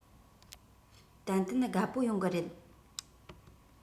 ཏན ཏན དགའ པོ ཡོང གི རེད